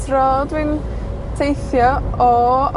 tro dwi'n teithio o...